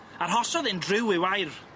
Arhosodd e'n driw i'w air.